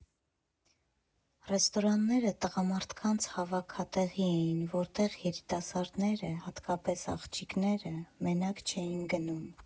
Ռեստորանները տղամարդկանց հավաքատեղի էին, որտեղ երիտասարդները, հատկապես աղջիկները, մենակ չէին գնում»։